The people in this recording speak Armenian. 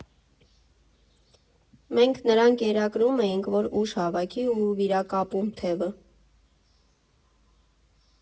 Մենք նրան կերակրում էինք, որ ուժ հավաքի ու վիրակապում թևը։